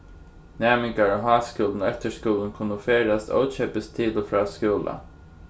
næmingar á háskúlum og eftirskúlum kunnu ferðast ókeypis til og frá skúla